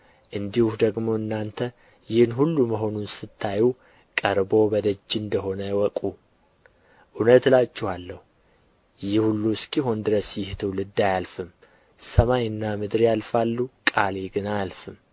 እንዲሁ ደግሞ እናንተ ይህን ሁሉ መሆኑን ስታዩ ቀርቦ በደጅ እንደ ሆነ እወቁ እውነት እላችኋለሁ ይህ ሁሉ እስኪሆን ድረስ ይህ ትውልድ አያልፍም ሰማይና ምድር ያልፋሉ ቃሌ ግን አያልፍም